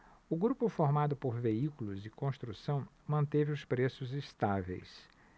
o grupo formado por veículos e construção manteve os preços estáveis